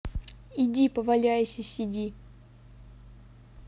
иди поваляйся сиди